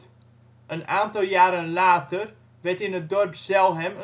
aantal jaren later werd in het dorp Zelhem